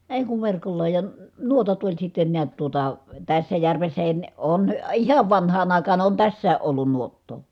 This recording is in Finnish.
ei kun verkolla ja - nuotat oli sitten näet tuota tässä järvessäkin ne on ihan vanhaan aikaan on tässäkin ollut nuottaa